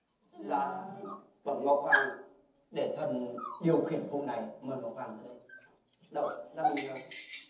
dạ bẩm ngọc hoàng để thần điều khiển vụ này mời ngọc hoàng ra đây đẩu ra mình nhờ